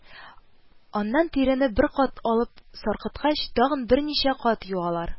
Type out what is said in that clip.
Аннан тирене бер кат алып саркыткач, тагын берничә кат юалар